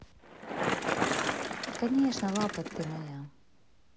конечно лапоть ты моя